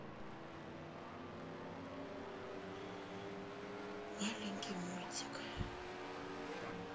маленький мультик